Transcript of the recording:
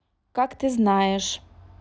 как ты знаешь